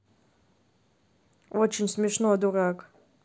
очень смешно дурак